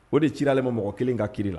O de cir'ale ma mɔgɔ 1 ka kiri la